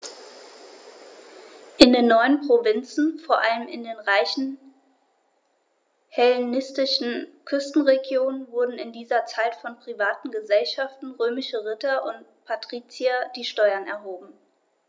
In den neuen Provinzen, vor allem in den reichen hellenistischen Küstenregionen, wurden in dieser Zeit von privaten „Gesellschaften“ römischer Ritter und Patrizier die Steuern erhoben.